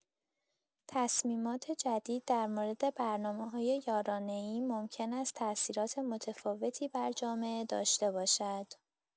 تصمیمات جدید در مورد برنامه‌‌های یارانه‌ای ممکن است تأثیرات متفاوتی بر جامعه داشته باشد.